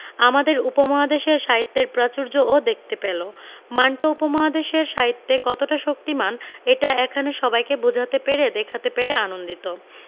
আমাদের উপমহাদেশের সাহিত্যের প্রাচুর্যও দেখতে পেল মান্টো উপমহাদেশের সাহিত্যে কতটা শক্তিমান এটা এখানে সবাইকে বোঝাতে পেরে দেখাতে পেরে আনন্দিত